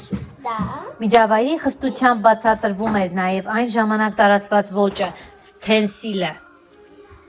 Միջավայրի խստությամբ բացատրվում էր նաև այն ժամանակ տարածված ոճը՝ սթենսիլը։